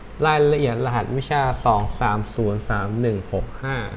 รายละเอียดรหัสวิชาสองสามศูนย์สามหนึ่งหกห้า